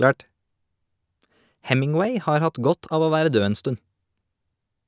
Hemingway har hatt godt av å være død en stund.